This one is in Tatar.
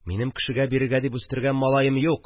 – минем кешегә бирергә дип үстергән малаем юк